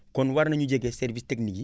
kon war nañu jege services techniques yi